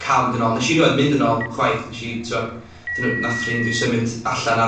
ca'l mynd yn ôl. Nesh i rioed mynd yn ôl, chwaith. Nesh i, 't'mo' nethon nw, nath ffrind fi symud allan ar